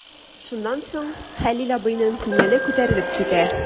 Шуннан соң Хәлил абыйның күңеле күтәрелеп китә.